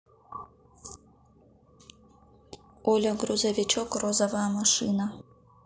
оля грузовичок розовая машина